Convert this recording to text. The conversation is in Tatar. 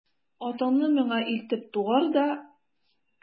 Атыңны миңа илтеп тугар да...